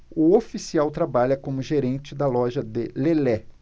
o oficial trabalha como gerente da loja de lelé